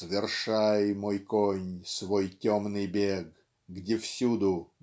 Свершай, мой конь, свой темный бег, Где всюду